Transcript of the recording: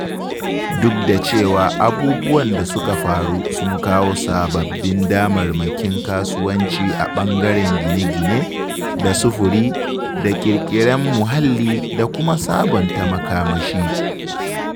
Duk da cewa abubuwan da suka faru sun kawo sababbin damarmakin kasuwanci a ɓangaren gine-gine da sufuri da ƙirƙiren muhalli da kuma sabunta makamashi.